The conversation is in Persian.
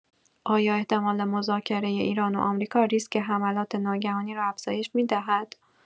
آیا احتمال مذاکره ایران و آمریکا ریسک حملات ناگهانی را افزایش می‌دهد؟